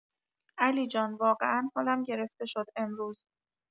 علی‌جان واقعا حالم گرفته شد امروز.